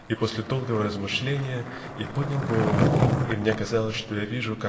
И после долгого размышления я поднял голову и мне казалось что я вижу